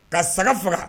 Ka saga faga